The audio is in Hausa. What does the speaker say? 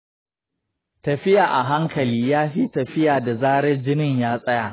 tafiya a hankali yafi lafiya da zarar jinin ya tsaya.